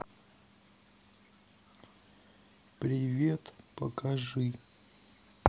привет покажи